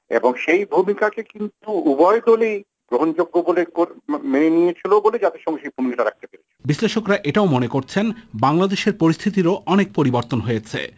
সেই ভূমিকা টি কিন্তু উভয় দলই গ্রহণযোগ্য বলে মেনে নিয়েছিল বলে জাতিসংঘ সে ভূমিকা রেখেছে বিশ্লেষকরা এটাও মনে করছেন যে বাংলাদেশ এর পরিস্থিতির অনেক পরিবর্তন হয়েছে